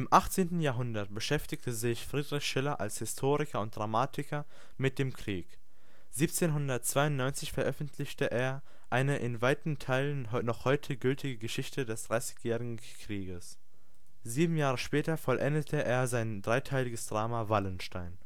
18. Jahrhundert beschäftigte sich Friedrich Schiller als Historiker und Dramatiker mit dem Krieg. 1792 veröffentlichte er eine in weiten Teilen noch heute gültige „ Geschichte des Dreißigjährigen Krieges “. Sieben Jahre später vollendete er sein dreiteiliges Drama „ Wallenstein